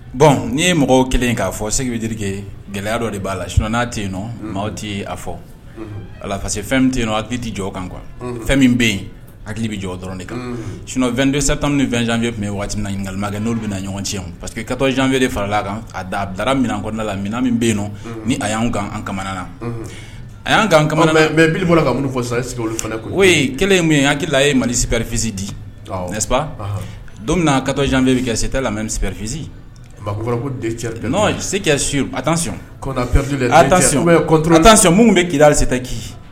Bon n'i ye mɔgɔw kelen k'a fɔ se bɛke gɛlɛya dɔ de b'a la s'a tɛ yen nɔ maaw tɛ yen a fɔ ala parce que fɛn min tɛ yen nɔn a hakili tɛ di jɔ kan qu fɛn min bɛ yen hakili bɛ jɔ dɔrɔn de kan s sa tan ni janfi tun ye waati minmakɛ n'olu bɛ na ɲɔgɔn cɛ parce que ka janfɛere farala a kan a da a dara minɛn kɔnɔna la min min bɛ yen nɔn ni a y'an an kamana na a y'an kan o ye kelen min ye hakilila a ye mali siprifizsi di don ka janfɛ bɛ kɛ seta la mɛ misiprifisi tan minnu bɛ kitaki